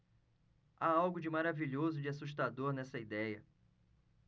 há algo de maravilhoso e de assustador nessa idéia